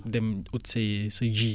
dem ut say sa ji